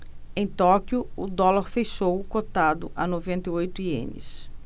em tóquio o dólar fechou cotado a noventa e oito ienes